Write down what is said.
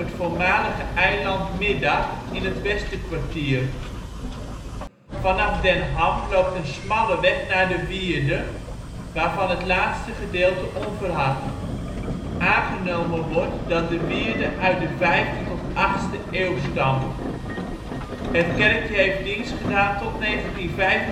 voormalige eiland Middag in het Westerkwartier. Vanaf Den Ham loopt een smalle weg naar de wierde, waarvan het laatste gedeelte onverhard. Aangenomen wordt dat de wierde uit de 5e tot 8e eeuw stamt. Het kerkje heeft dienst gedaan tot 1965